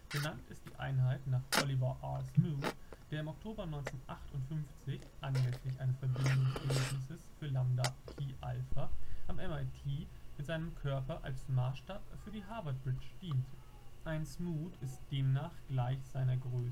Benannt ist die Einheit nach Oliver R. Smoot, der im Oktober 1958 anlässlich eines Verbindungsgelöbnises für Lambda Chi Alpha am MIT mit seinem Körper als Maßstab für die Harvard Bridge diente. Ein Smoot ist demnach gleich seiner Größe